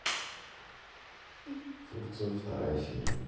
фурцева вторая серия